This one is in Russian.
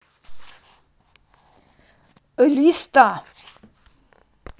элиста